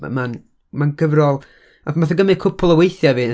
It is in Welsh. m- ma'n gyfrol... N- wnaeth o gymryd cwpwl o weithiau i fi...